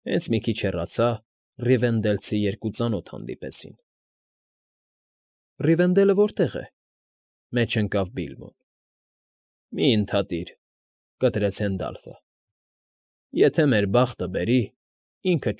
Հենց մի քիչ հեռացա, ռիվենդելցի երկու ծանոթ հանդիպեցին։ ֊ Ռիվենդելը որտե՞ղ է,֊ մեջ ընկավ Բիլբոն։ ֊ Մի՛ ընդհատիր,֊ կտրեց Հենդալֆը։֊ Եթե մեր բախտը բերի, ինքդ։